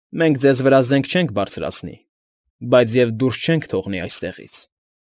Մենք ձեզ վրա զենք չենք բարձրացնի, բայց և դուրս չենք թողնի այստեղից։